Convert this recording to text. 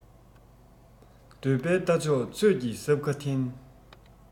འདོད པའི རྟ མཆོག ཚོད ཀྱིས སྲབ ཁ འཐེན